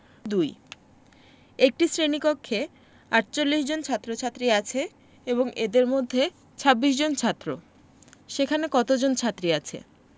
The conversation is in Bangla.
২ একটি শ্রেণি কক্ষে ৪৮ জন ছাত্ৰছাত্ৰী আছে এবং এদের মধ্যে ২৬ জন ছাত্র সেখানে কতজন ছাত্রী আছে